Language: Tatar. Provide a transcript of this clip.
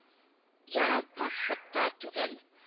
Яратмаслык та түгел